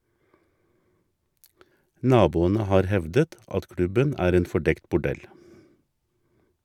Naboene har hevdet at klubben er en fordekt bordell.